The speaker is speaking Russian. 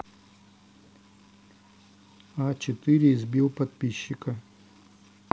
а четыре избил подписчика